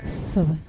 Sama